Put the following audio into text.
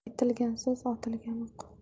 aytilgan so'z otilgan o'q